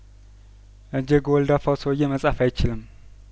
እጀ ጐልዳፋው ሰውዬ መጻፍ አይችልም